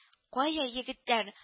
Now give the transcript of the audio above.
— кая, егетләр